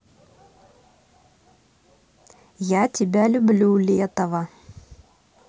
я тебя люблю летова